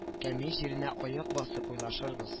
Кәми җиренә аяк басыйк уйлашырбыз